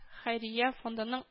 Хәйрия фондының